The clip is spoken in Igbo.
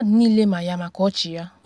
“Mmadụ niile ma ya maka ọchị ya.